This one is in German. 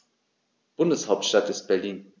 Bundeshauptstadt ist Berlin.